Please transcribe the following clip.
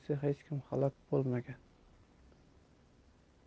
kim halok bo'lmagan